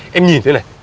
em nhìn đây này